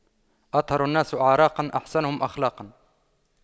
أطهر الناس أعراقاً أحسنهم أخلاقاً